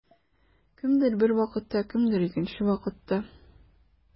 Кемдер бер вакытта, кемдер икенче вакытта.